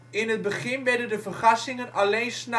In het begin werden de vergassingen alleen ' s